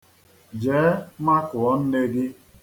Jee makụọ nne gị.